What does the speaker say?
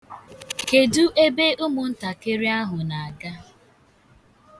Kedu ebe ụmụntakịrị ahu na-aga?